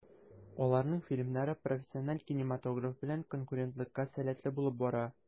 Аларның фильмнары профессиональ кинематограф белән конкурентлыкка сәләтле булып бара.